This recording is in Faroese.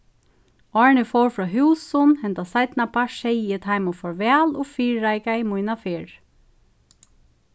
áðrenn eg fór frá húsum henda seinnapart segði eg teimum farvæl og fyrireikaði mína ferð